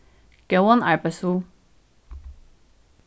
góðan arbeiðshug